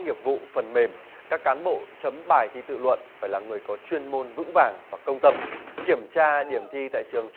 nghiệp vụ phần mềm các cán bộ chấm bài thi tự luận phải là người có chuyên môn vững vàng và công tâm kiểm tra điểm thi tại trường